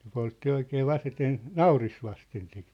ne poltti oikein vasten nauris vasten sitä